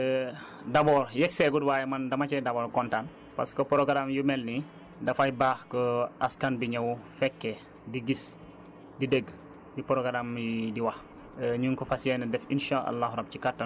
maasàllaa journée boobu vraiment d' abord yeggseegul waaye man dama cee d' abord kontaan parce que que programmes yu mel nii dafay baax que askan bi ñëw fekkee di gis di dégg li programmes yi di wax